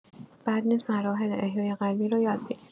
بد نیست مراحل احیای قلبی رو یاد بگیرید.